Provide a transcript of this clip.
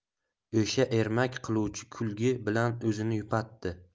o'sha ermak qiluvchi kulgi bilan o'zini yupatdi